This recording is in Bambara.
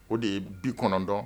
O de ye 90